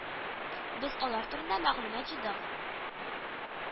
Без алар турында мәгълүмат җыйдык